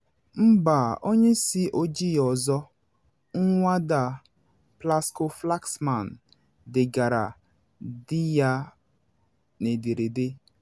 “MBAAAAAAAAAA ONYE ISI OJII ỌZỌ,” Nwada Plasco-Flaxman degara di ya n’ederede.